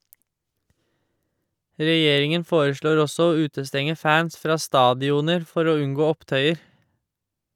Regjeringen foreslår også å utestenge fans fra stadioner for å unngå opptøyer.